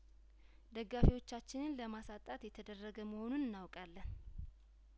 ደጋፊዎቻችንን ለማሳጣት የተደረገ መሆኑን እናውቃለን